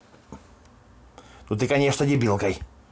ну ты конечно дебилкой